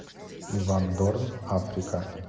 иван дорн африка